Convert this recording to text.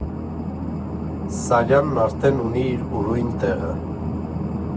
Սարյանն արդեն ունի իր ուրույն տեղը.